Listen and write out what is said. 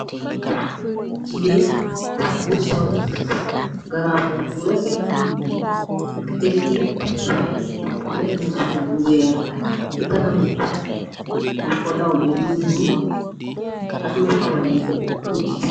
Jigeen bu sol garambubu bu refet, tek si mees, def musuur bu weex, ci kanam garambubu bi ñu ko dawme lu ñuul ak lu xawa nete tuuti.